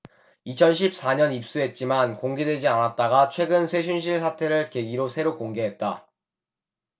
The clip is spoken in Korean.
이천 십 사 년 입수했지만 공개되지 않았다가 최근 최순실 사태를 계기로 새로 공개했다